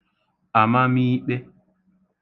àmamiikpe